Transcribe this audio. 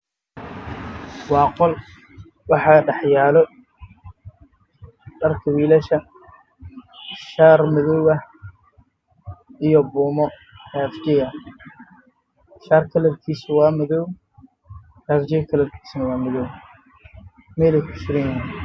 Waa fanaanad madoow iyo buumo madow